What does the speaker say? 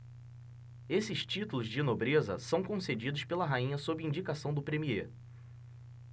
esses títulos de nobreza são concedidos pela rainha sob indicação do premiê